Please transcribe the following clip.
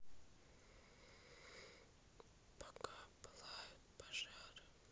пока пылают пожары